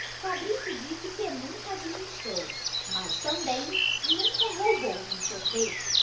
fabrício disse que nunca administrou mas também nunca roubou um sorvete